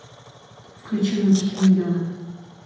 включить мультики миньоны